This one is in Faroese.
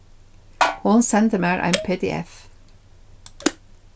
hon sendi mær ein pdf